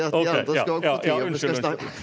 ok ja ja ja unnskyld.